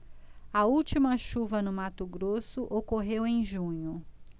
a última chuva no mato grosso ocorreu em junho